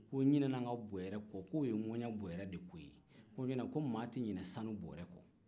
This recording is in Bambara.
ko n ɲinɛna n ka wari bɔrɛ kɔ k'o ye ŋɛɲɛ bɔrɛ de ko ye ko n'otɛ mɔgɔ tɛ ɲinɛ sanu bɔrɛ kɔ